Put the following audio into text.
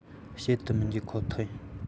བྱེད དུ མི འཇུག ཁོ ཐག ཡིན